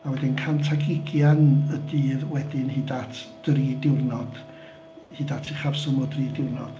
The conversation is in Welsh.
A wedyn cant ag ugain y dydd wedyn hyd at dri diwrnod hyd at uchafswm o dri diwrnod.